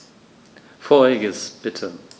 Vorheriges bitte.